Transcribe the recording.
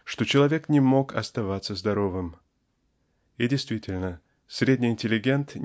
что человек не мог оставаться здоровым. И действительно средний интеллигент